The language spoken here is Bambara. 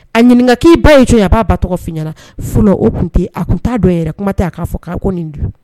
A ɲiniŋa k'i ba ye jɔn ye a b'a ba tɔgɔ f'i ɲɛna sinon o tun te a tun t'a dɔn yɛrɛ kuma tɛ a k'a fɔ k'a ko nin don